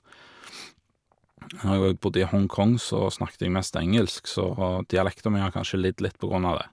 Når jeg bodde i Hong Kong, så snakket jeg mest engelsk, så dialekten min har kanskje lidd litt på grunn av det.